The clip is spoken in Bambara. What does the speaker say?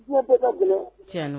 Ne bɛ ka bolo tiɲɛ na